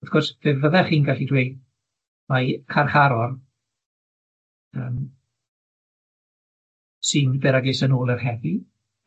Wrth gwrs, fe fyddech chi'n gallu dweud mai carcharor yym sy'n beryglus yn ôl yr heddlu,